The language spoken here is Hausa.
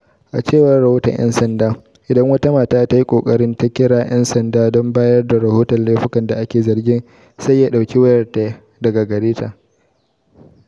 A cewar rahoton 'yan sanda, idan wata mata tayi kokarin ta kira' yan sanda don bayar da rahoton laifukan da ake zargin, sai ya dauki wayarta daga gareta